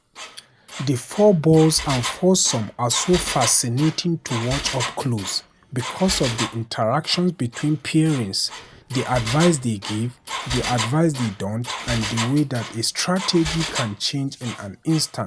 The fourballs and foursomes are so fascinating to watch up close because of the interactions between pairings, the advice they give, the advice they don't and the way that a strategy can change in an instant.